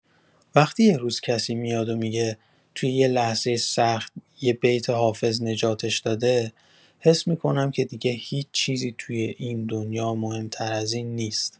وقتی یه روز کسی میاد و می‌گه که توی یه لحظه سخت، یه بیت حافظ نجاتش داده، حس می‌کنم که دیگه هیچ چیزی توی این دنیا مهم‌تر از این نیست.